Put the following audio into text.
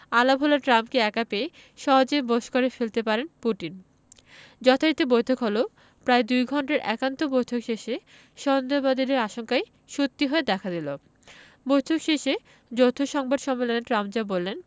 আলাভোলা ট্রাম্পকে একা পেয়ে সহজেই বশ করে ফেলতে পারেন পুতিন যথারীতি বৈঠক হলো প্রায় দুই ঘণ্টার একান্ত বৈঠক শেষে সন্দেহবাদীদের আশঙ্কাই সত্যি হয়ে দেখা দিল বৈঠক শেষে যৌথ সংবাদ সম্মেলনে ট্রাম্প যা বললেন